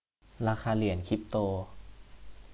ราคาเหรียญคริปโต